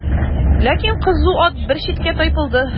Ләкин кызу ат бер читкә тайпылды.